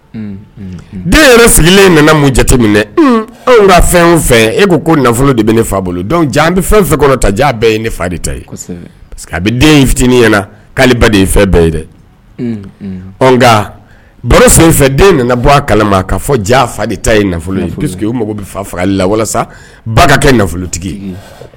Den yɛrɛ sigilen nana mun jateminɛ anw fɛn e ko ko nafolo de bɛ ne fa bolo an bɛ fɛn fɛn ta bɛɛ ye ne fa ta a bɛ den in fitinin k'ale baden fɛn bɛɛ ye dɛ senfɛ den nana bɔ a kala' fɔ ja fa ta ye nafolo faga la walasa ba kɛ nafolotigi